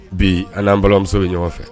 Bi an n'an balimamuso bɛ ɲɔgɔn fɛ